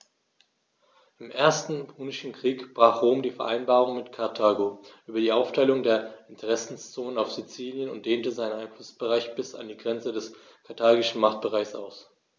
Im Ersten Punischen Krieg brach Rom die Vereinbarung mit Karthago über die Aufteilung der Interessenzonen auf Sizilien und dehnte seinen Einflussbereich bis an die Grenze des karthagischen Machtbereichs aus.